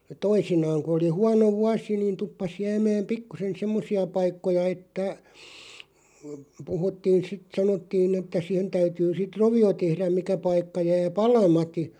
toisinaan kun oli huono vuosi niin tuppasi jäämään pikkuisen semmoisia paikkoja että puhuttiin sitten sanottiin että siihen täytyy sitten rovio tehdä mikä paikka jää palamatta